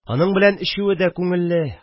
Аның белән эчүе дә күңелле